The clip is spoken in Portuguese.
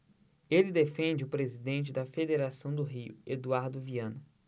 ele defende o presidente da federação do rio eduardo viana